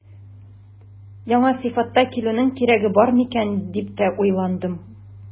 Яңа сыйфатта килүнең кирәге бар микән дип тә уйландым.